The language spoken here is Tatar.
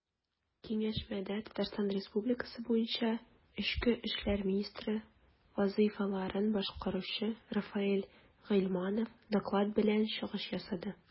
Киңәшмәдә ТР буенча эчке эшләр министры вазыйфаларын башкаручы Рафаэль Гыйльманов доклад белән чыгыш ясады.